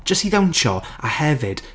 jysd i ddawnsio a hefyd...